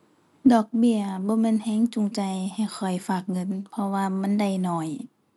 ดอกเบี้ยบ่แม่นแรงจูงใจให้ข้อยฝากเงิน เพราะว่ามันได้น้อย